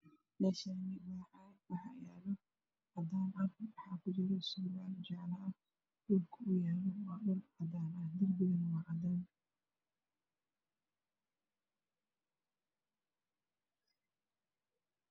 Meeshaani waa waxaa yaalo waxa ku jiro surwaal jaale dhulka uu yahay cadaan darbigana waa cadaan